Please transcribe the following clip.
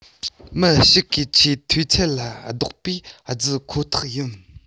མི ཞིག གིས ཆེ མཐོའི ཚད ལ རྡོག པས བརྫིས ཁོ ཐག ཡིན